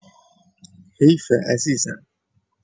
حیفه عزیزم